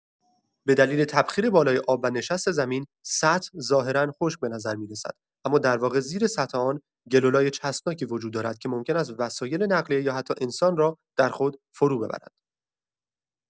به‌دلیل تبخیر بالای آب و نشست زمین، سطح ظاهرا خشک به‌نظر می‌رسد، اما در واقع زیر سطح آن گل و لای چسبناکی وجود دارد که ممکن است وسایل نقلیه یا حتی انسان را در خود فروببرد.